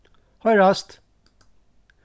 hoyrast